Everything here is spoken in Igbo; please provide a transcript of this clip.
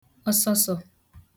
ọsọsọ